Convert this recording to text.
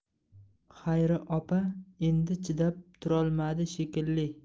xayri opa endi chidab turolmadi shekilli